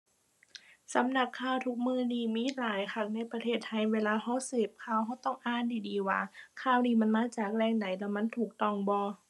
สำนักข่าวทุกมื้อนี่มีหลายคักในประเทศไทย เวลาเราเสพข่าว เราต้องอ่านดีดีว่า ข่าวนี้มันมาจากแหล่งใดแล้วมันถูกต้องบ่